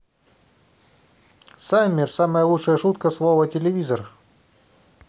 summer самая лучшая шутка слово телевизор